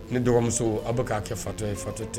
Ni dɔgɔmuso aw bɛ k'a kɛ fatɔ ye fatɔ tɛ